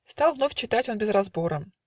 Стал вновь читать он без разбора.